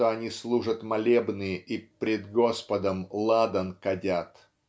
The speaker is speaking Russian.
что они служат молебны и пред Господом ладан кадят